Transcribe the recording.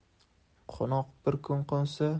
qo'noq bir kun qo'nsa